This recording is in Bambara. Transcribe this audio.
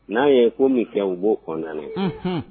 N'a ye ko min kɛ, u b'o condamner